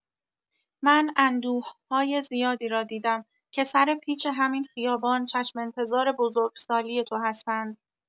من اندوه‌های زیادی را دیدم که سر پیچ همین خیابان چشم‌انتظار بزرگ‌سالی تو هستند.